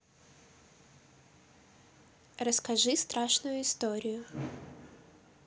расскажи страшную историю